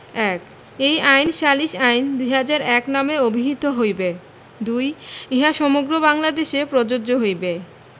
১ এই আইন সালিস আইন ২০০১ নামে অভিহিত হইবে ২ ইহা সমগ্র বাংলাদেশে প্রযোজ্য হইবে